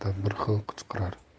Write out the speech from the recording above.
bir xil qichqirar